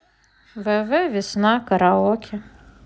вв весна караоке